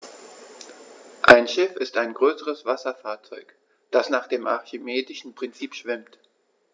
Ein Schiff ist ein größeres Wasserfahrzeug, das nach dem archimedischen Prinzip schwimmt.